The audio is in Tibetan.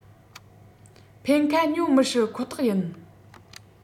ཕན ཁ ཉོ མི སྲིད ཁོ ཐག ཡིན